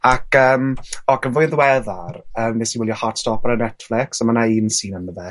Ac yym o ac yn fwy ddiweddar yym nes i wylio Heart Stopper ar Netflix a ma' 'na un sîn ynddo fe